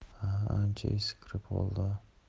ha ancha esi kirib qoldi